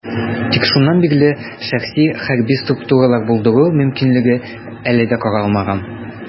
Тик шуннан бирле шәхси хәрби структуралар булдыру мөмкинлеге әле дә каралмаган.